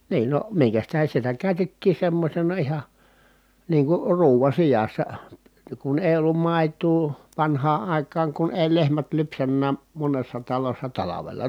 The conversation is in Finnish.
niin no minkäs tähden sitä käytettiin semmoisena ihan niin kuin ruuan sijassa kun ei ollut maitoa vanhaan aikaan kun ei lehmät lypsänytkään monessa talossa talvella